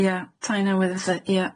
O ia tai newydd fatha ia.